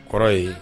Kɔrɔ ye